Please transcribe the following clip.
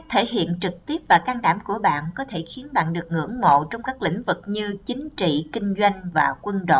cách thể hiện trực tiếp và can đảm của bạn có thể khiến bạn được ngưỡng mộ trong các lĩnh vực như chính trị kinh doanh và quân đội